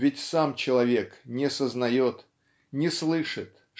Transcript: Ведь сам человек не сознает не слышит